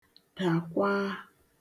dàkwaa